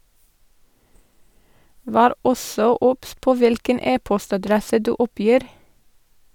Vær også obs på hvilken e-postadresse du oppgir.